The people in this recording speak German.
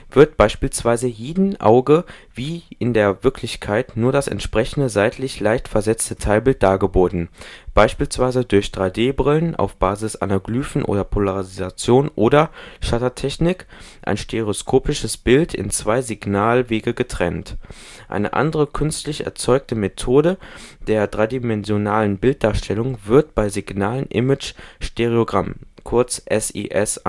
wird beispielsweise jedem Auge wie in der Wirklichkeit nur das entsprechende seitlich leicht versetzte Teilbild dargeboten, beispielsweise durch 3D-Brillen auf Basis von Anaglyphen oder Polarisation oder Shuttertechnik ein stereoskopisches Bild in zwei Signalwege getrennt. Eine andere, künstlich erzeugte Methode der dreidimensionalen Bilddarstellung wird beim Single image stereogram (SIS) angewandt